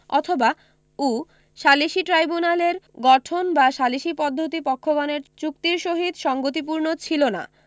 অথবা উ সালিসী ট্রাইব্যুনালের গঠন বা সালিষী পদ্ধতি পক্ষগণের চুক্তির সহিত সংগতিপূর্ণ ছিল না